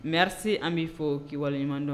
Merci An b'i fɔ, k'i waleɲuman dɔn.